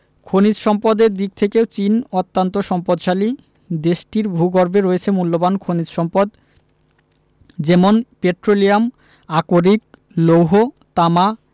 খনিজ সম্পদের দিক থেকেও চীন অত্যান্ত সম্পদশালী দেশটির ভূগর্ভে রয়েছে মুল্যবান খনিজ সম্পদ যেমন পেট্রোলিয়াম আকরিক লৌহ তামা